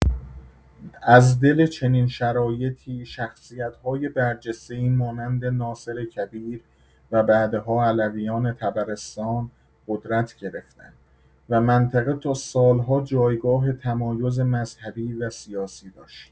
از دل چنین شرایطی، شخصیت‌های برجسته‌ای مانند ناصر کبیر و بعدها علویان طبرستان قدرت گرفتند و منطقه تا سال‌ها جایگاه تمایز مذهبی و سیاسی داشت.